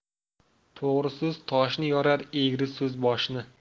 to'g'ri so'z toshni yorar egri so'z boshni